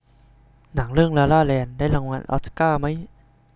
หนังเรื่องลาลาแลนด์ได้รางวัลออสการ์มั้ย